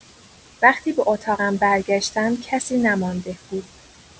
وقتی به اتاق برگشتم، کسی نمانده بود.